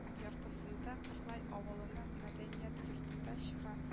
Яртысында кырлай авылының мәдәният йортында чыга